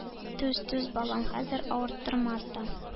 Түз, түз, балам... хәзер... авырттырмас та.